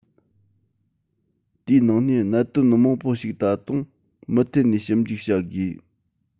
དེའི ནང ནས གནད དོན མང པོ ཞིག ད དུང མུ མཐུད ནས ཞིབ འཇུག བྱ དགོས